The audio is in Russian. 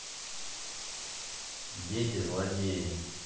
дети злодеи